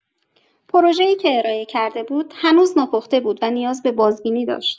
پروژه‌ای که ارائه کرده بود هنوز ناپخته بود و نیاز به بازبینی داشت.